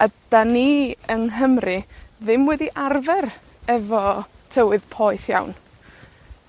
A 'dan ni, yng Nghymru, ddim wedi arfer efo tywydd poeth iawn.